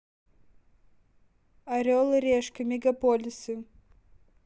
орел и решка мегаполисы